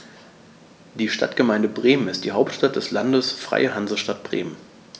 Die Stadtgemeinde Bremen ist die Hauptstadt des Landes Freie Hansestadt Bremen.